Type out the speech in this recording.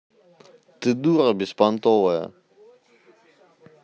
ты дура беспонтовая